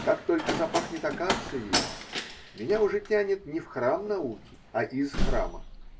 Как только запахнет акацией, меня уже тянет не в храм науки, а из храма.